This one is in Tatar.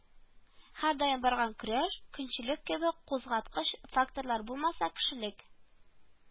Һәрдаим барган көрәш, көнчеллек кебек кузгаткыч факторлар булмаса, кешелек